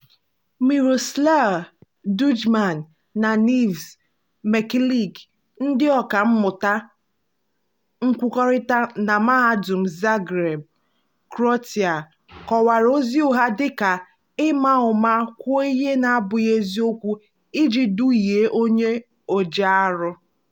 Miroslav Tudjman na Nives Mikelic, ndị ọkà mmụta nkwukọrịta na Mahadum Zagreb, Croatia, kọwara ozi ụgha dị ka "ịma ụma kwuo ihe na-abụghị eziokwu iji duhie onye ojiarụ".